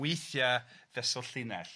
weithia fesul llinell 'de.